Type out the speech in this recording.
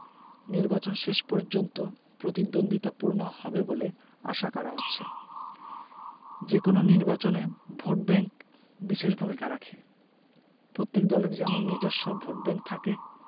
নির্বাচন শেষ পর্যন্ত প্রতিদ্বন্দ্বিতাপূর্ণ হবে বলে আশা করা হচ্ছে যেকোনো নির্বাচনে ভোটব্যাংক বিশেষ ভূমিকা রাখে প্রত্যেক দলের যেমন নিজস্ব ভোটব্যাংক থাকে